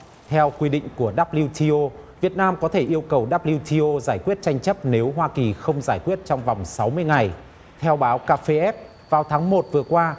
theo quy định của đắp liu ti ô việt nam có thể yêu cầu đắp liu ti ô giải quyết tranh chấp nếu hoa kỳ không giải quyết trong vòng sáu mươi ngày theo báo cà phê ép vào tháng một vừa qua